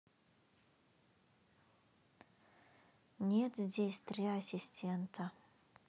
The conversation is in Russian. нет здесь три ассистента